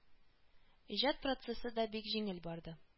Иҗат процессы да бик җиңел барды